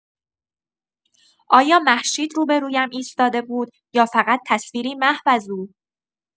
آیا مهشید روبه‌رویم ایستاده بود، یا فقط تصویری محو از او؟